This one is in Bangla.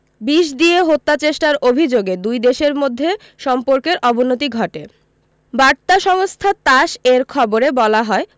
বিষ দিয়ে হত্যাচেষ্টার অভিযোগে দুই দেশের মধ্যে সম্পর্কের অবনতি ঘটে বার্তা সংস্থা তাস এর খবরে বলা হয়